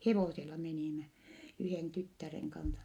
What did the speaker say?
hevosella menimme yhden tyttären kanssa